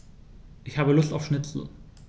Ich habe Lust auf Schnitzel.